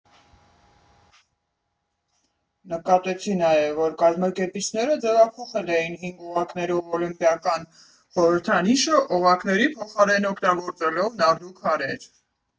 Նկատեցի նաև, որ կազմակերպիչները ձևափոխել էին հինգ օղակներով օլիմպիական խորհրդանիշը՝ օղակների փոխարեն օգտագործելով նարդու քարեր։